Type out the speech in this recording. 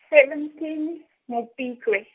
seventeen, Mopitlwe.